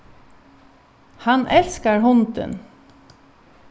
hann elskar hundin